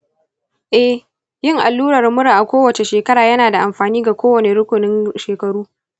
eh, yin allurar mura a kowace shekara yana da amfani ga kowane rukunin shekaru.